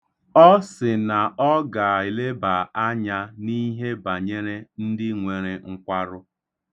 Ọ sị na ọ ga-eleba anya n'ihe banyere ndị nwere nkwarụ.